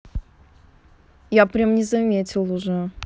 я прям не заметил уже